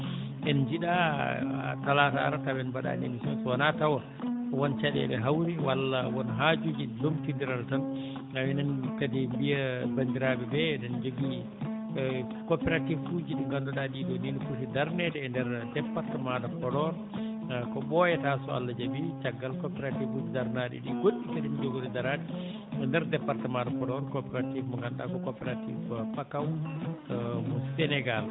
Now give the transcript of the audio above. en njiɗaa haa talaata ara tawa en mbaɗaani émission so wonaa taw won caɗeele hawri walla won haajuuji lomtinndiral tan en kadi mbiya bandniraaɓe ɓe eɗen jogii coopératif uji ɗi ngannduɗaa ɗii ɗoo nii no poti darneede e ndeer département de Podor ko ɓooyataa so Allah jaɓi caggal coopératif uji darnaaɗi ɗi goɗɗi kadi no jogorii daraade e ndeer département de Podor ko coopératif mo ngannduɗaa ko coopératif fakaw mo Sénégal